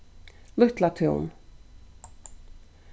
lítlatún